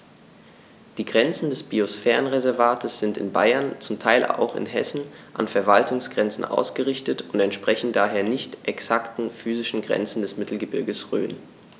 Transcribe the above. Die Grenzen des Biosphärenreservates sind in Bayern, zum Teil auch in Hessen, an Verwaltungsgrenzen ausgerichtet und entsprechen daher nicht exakten physischen Grenzen des Mittelgebirges Rhön.